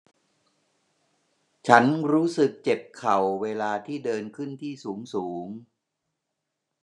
ฉันรู้สึกเจ็บเข่าเวลาที่เดินขึ้นที่สูงสูง